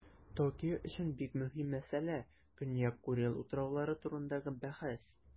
Токио өчен бик мөһим мәсьәлә - Көньяк Курил утраулары турындагы бәхәс.